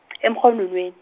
emrhononweni.